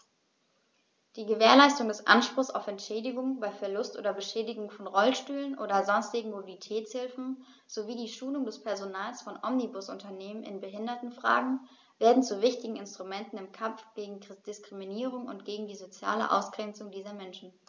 Die Gewährleistung des Anspruchs auf Entschädigung bei Verlust oder Beschädigung von Rollstühlen oder sonstigen Mobilitätshilfen sowie die Schulung des Personals von Omnibusunternehmen in Behindertenfragen werden zu wichtigen Instrumenten im Kampf gegen Diskriminierung und gegen die soziale Ausgrenzung dieser Menschen.